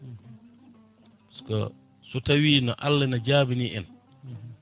par ce que so tawina Allah na jabani en